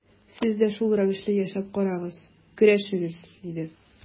Сез дә шул рәвешле яшәп карагыз, көрәшегез, диде.